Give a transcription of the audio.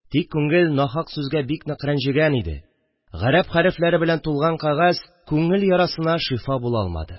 Тик күңел нахак сүзгә бик нык рәнҗегән иде, гарәп хәрефләре белән тулган кәгазь күңел ярасына шифа була алмады